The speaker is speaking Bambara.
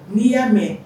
N'i y'a mɛn